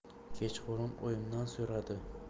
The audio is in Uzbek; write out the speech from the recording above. kechqurun oyimdan so'radi